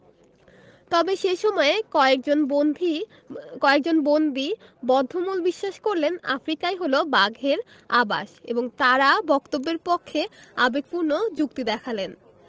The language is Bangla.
তবে সে সময়ে কয়েকজন বন্দী কয়েকজন বন্দী বদ্ধমূল বিশ্বাস করলেন আফ্রিকাই হলো বাঘের আবাস এবং তারা বক্তব্যের পক্ষে আবেগপূর্ণ যুক্তি দেখালেন